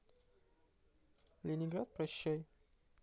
ленинград прощай